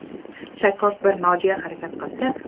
shakkok bir nojo'ya harakat qilsa